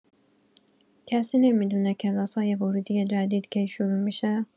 کسی نمی‌دونه کلاس‌های ورودی جدید کی شروع می‌شه؟